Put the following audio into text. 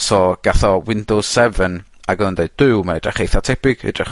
So, gath o Windows seven ag odd o'n deud Duw mae edrych eitha tebyg edrych...